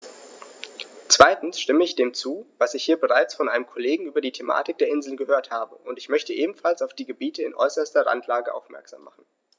Zweitens stimme ich dem zu, was ich hier bereits von einem Kollegen über die Thematik der Inseln gehört habe, und ich möchte ebenfalls auf die Gebiete in äußerster Randlage aufmerksam machen.